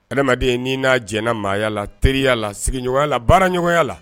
Adamadamaden' naa j maaya la teriya la sigiɲɔgɔnya la baara ɲɔgɔn la